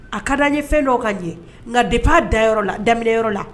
A ka di an ye fɛn dɔ ka ɲɛ nka dépuis dayɔrɔ la, daminɛyɔrɔ la